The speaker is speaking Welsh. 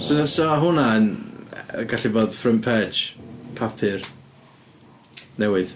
So 'sa hwnna'n gallu bod front page papur newydd?